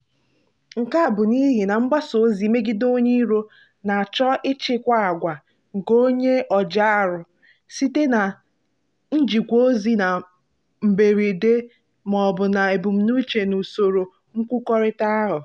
Nke a bụ n'ihi na mgbasa ozi mmegide onye iro "na-achọ ịchịkwa àgwà nke onye ojiarụ" site na "njikwa ozi na mberede ma ọ bụ n'ebumnuche na usoro nkwukọrịta ahụ".